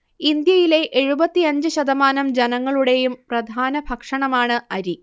ഇന്ത്യയിലെ എഴുപത്തിയഞ്ച് ശതമാനം ജനങ്ങളുടേയും പ്രധാന ഭക്ഷണമാണ് അരി